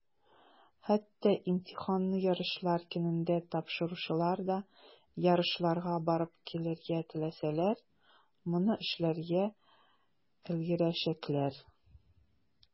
Хәтта имтиханны ярышлар көнендә тапшыручылар да, ярышларга барып килергә теләсәләр, моны эшләргә өлгерәчәкләр.